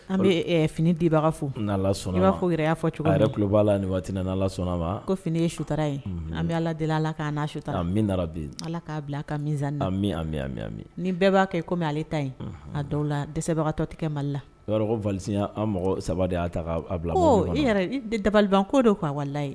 An bɛ fini dibaga fo n' la sɔnna b'a yɛrɛ y'a fɔ cogo yɛrɛ' la ni waati n sɔnna ma ko fini ye suta ye an bɛ ala delila ala k' su min bi ala k'a bila ka min ni bɛɛ b'a kɛ ko ale ta yen a dɔw la dɛsɛbagatɔ tɛkɛ mali la vya an mɔgɔ saba de y'a ta bila e yɛrɛ dabaliban ko de k' wali ye